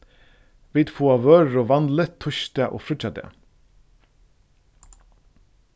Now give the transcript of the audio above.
vit fáa vøru vanligt týsdag og fríggjadag